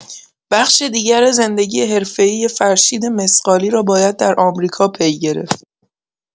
بخش دیگر زندگی حرفه‌ای فرشید مثقالی را باید در آمریکا پی گرفت.